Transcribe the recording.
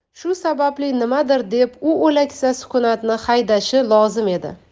shu sababli nimadir deb u o'laksa sukunatni haydashi lozim edi